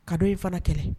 Ka dɔ in fana kɛlɛ